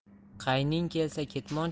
qayning kelsa ketmon